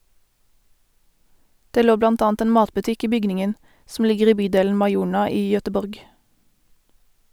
Det lå blant annet en matbutikk i bygningen, som ligger i bydelen Majorna i Göteborg.